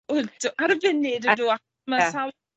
Wel dy- ar y funud yndw a ma' sawl